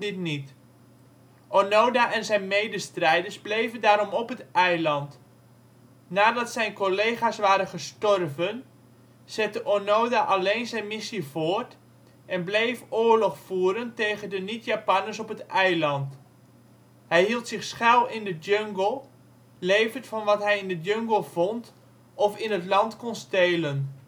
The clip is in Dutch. niet. Onoda en zijn medestrijders bleven daarom op het eiland. Nadat zijn collega 's waren gestorven, zette Onoda alleen zijn " missie " voort, en bleef oorlog voeren tegen de niet-Japanners op het eiland. Hij hield zich schuil in de jungle, levend van wat hij in de jungle vond of in het land kon stelen